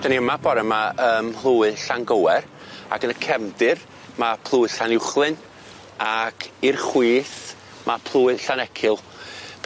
'Dan ni yma bore 'ma ym Mhlwy Llangywer ag yn y cefndir ma' plwy Llanuwchlyn ac i'r chwith ma' plwy Llanecil.